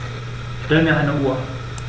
Stell mir eine Uhr.